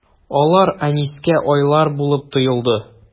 Алар Әнискә айлар булып тоелды.